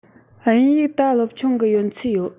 དབྱིན ཡིག ད སློབ ཆུང གི ཡོན ཚད ཡོད